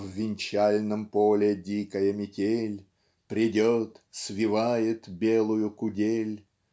В венчальном поле дикая Метель Прядет-свивает белую кудель.